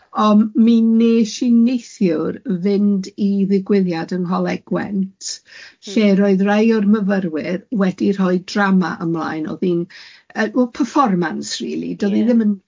ond mi wnes i neithiwr fynd i ddigwyddiad yng Ngholeg Gwent, lle roedd rai o'r myfyrwyr wedi rhoi drama ymlaen, oedd hi'n yy wel performance really, doedd hi... Ie.